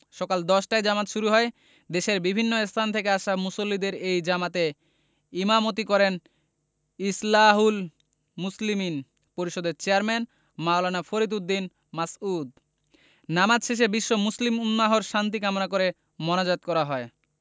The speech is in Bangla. সকাল ১০টায় জামাত শুরু হয় দেশের বিভিন্ন স্থান থেকে আসা মুসল্লিদের এই জামাতে ইমামতি করেন ইসলাহুল মুসলিমিন পরিষদের চেয়ারম্যান মাওলানা ফরিদ উদ্দীন মাসউদ নামাজ শেষে বিশ্ব মুসলিম উম্মাহর শান্তি কামনা করে মোনাজাত করা হয়